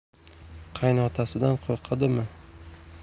qaynotasidan qo'rqadimi